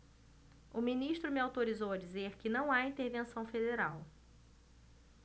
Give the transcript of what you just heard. o ministro me autorizou a dizer que não há intervenção federal